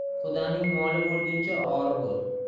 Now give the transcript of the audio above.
qudaning moli bo'lguncha ori bo'l